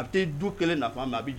A bɛ du kelen na a ma a bɛ